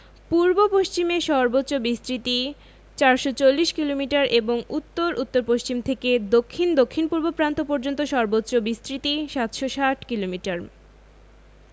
পূর্ব পশ্চিমে সর্বোচ্চ বিস্তৃতি ৪৪০ কিলোমিটার এবং উত্তর উত্তর পশ্চিম থেকে দক্ষিণ দক্ষিণপূর্ব প্রান্ত পর্যন্ত সর্বোচ্চ বিস্তৃতি ৭৬০ কিলোমিটার